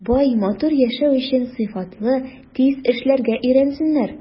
Бай, матур яшәү өчен сыйфатлы, тиз эшләргә өйрәнсеннәр.